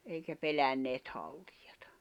eikä pelänneet haltioita